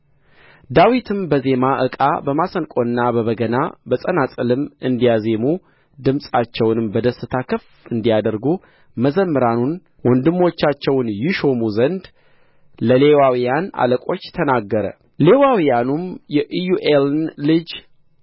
ዳዊትም በዜማ ዕቃ በመሰንቆና በበገና በጸናጽልም እንዲያዜሙ ድምፃቸውንም በደስታ ከፍ እንዲያደርጉ መዘምራኑን ወንድሞቻቸውን ይሾሙ ዘንድ ለሌዋውያን ኣለቆች ተናገረ ሌዋውያኑም የኢዮኤልን ልጅ